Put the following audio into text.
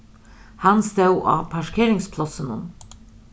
hann stóð á parkeringsplássinum